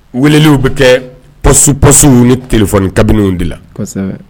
Welew bɛ kɛ pas passiw ni tf kabiniw de la